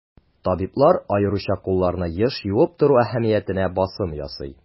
Табиблар аеруча кулларны еш юып тору әһәмиятенә басым ясый.